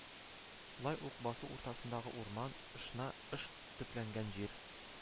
Лай ук «басу уртасындагы урман»), ышна, ыш «төпләнгән җир»